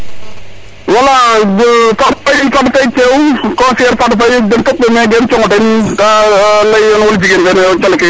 wala Fatou Faye conseillere Fatou Faye genu im coox ngo ten